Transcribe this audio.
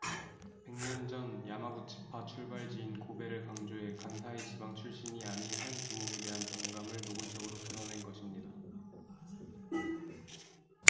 백 년 전 야마구치파 출발지인 고베를 강조해 간사이 지방 출신이 아닌 현 두목에 대한 반감을 노골적으로 드러낸 것입니다